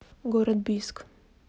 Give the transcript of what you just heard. город бийск